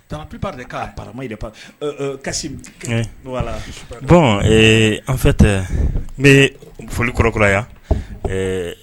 Pma pa kasi bɔn an fɛ tɛ n bɛ foli kɔrɔkura yan